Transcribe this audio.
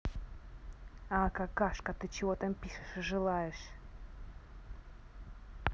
a какашка ты чего там пишешь и желаешь